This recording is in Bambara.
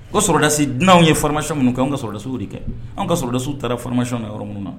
Ko sɔrɔdasi nianw ye faramasi minnu kɛ an ka sɔrɔdasiw de kɛ an ka sɔrɔdasiw taara faramasi na yɔrɔ minnu na